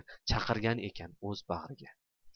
chaqirgan ekan o'z bag'riga